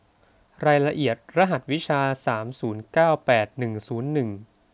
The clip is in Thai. รายละเอียดรหัสวิชาสามศูนย์เก้าแปดหนึ่งศูนย์หนึ่ง